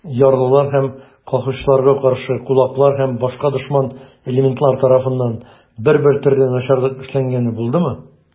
Ярлылар һәм колхозчыларга каршы кулаклар һәм башка дошман элементлар тарафыннан бер-бер төрле начарлык эшләнгәне булдымы?